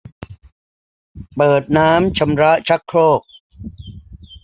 เปิดน้ำชำระชักโครก